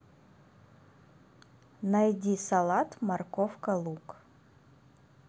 найди салат морковка лук